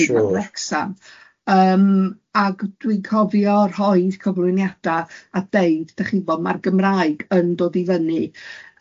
...neu falle hyd nod Wrecsam, yym ac dwi'n cofio rhoi cyflwyniada a deud, dach chi'n gwybod, ma'r Gymraeg yn dod i fyny.